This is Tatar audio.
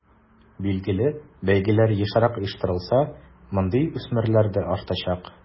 Билгеле, бәйгеләр ешрак оештырылса, мондый үсмерләр дә артачак.